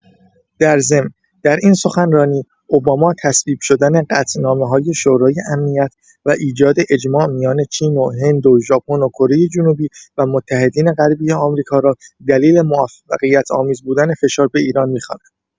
در ضمن، در این سخنرانی، اوباما تصویب شدن قطعنامه‌های شورای امنیت و ایجاد اجماع میان چین و هند و ژاپن و کره‌جنوبی و متحدین غربی آمریکا را دلیل موفقیت‌آمیز بودن فشار به ایران می‌خواند!